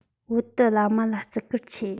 བོད དུ བླ མ ལ བརྩི བཀུར ཆེ